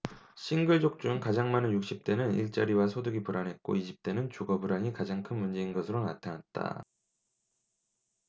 싱글족 중 가장 많은 육십 대는 일자리와 소득이 불안했고 이십 대는 주거 불안이 가장 큰 문제인 것으로 나타났다